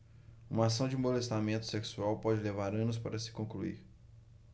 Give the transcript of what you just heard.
uma ação de molestamento sexual pode levar anos para se concluir